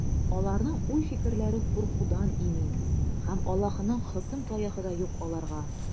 Аларның уй-фикерләре куркудан имин, һәм Аллаһының хөкем таягы да юк аларга.